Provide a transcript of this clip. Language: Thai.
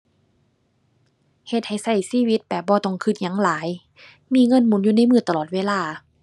เฮ็ดให้ใช้ชีวิตแบบบ่ต้องใช้หยังหลาย มีเงินหมุนอยู่ในมือตลอดเวลา